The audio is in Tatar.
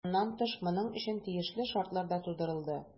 Моннан тыш, моның өчен тиешле шартлар да тудырылды.